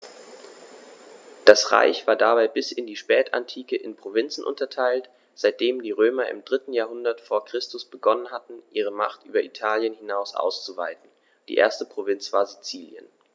Das Reich war dabei bis in die Spätantike in Provinzen unterteilt, seitdem die Römer im 3. Jahrhundert vor Christus begonnen hatten, ihre Macht über Italien hinaus auszuweiten (die erste Provinz war Sizilien).